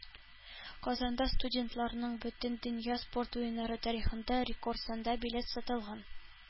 Казанда студентларның Бөтендөнья спорт Уеннары тарихында рекорд санда билет сатылган.